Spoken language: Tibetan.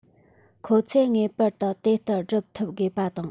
ཁོ ཚོས ངེས པར དུ དེ ལྟར སྒྲུབ ཐུབ དགོས པ དང